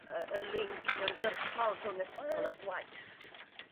y y linc uniongyrchol rhwng ysgol a gwaith.